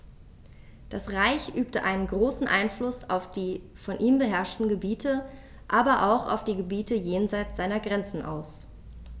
Das Reich übte einen großen Einfluss auf die von ihm beherrschten Gebiete, aber auch auf die Gebiete jenseits seiner Grenzen aus.